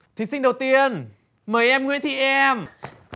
thí sinh đầu tiên mời em nguyễn thị em